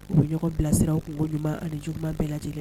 U bɛ ɲɔgɔn bilasira u kunko ɲuman ani juguman bɛɛ lajɛlen na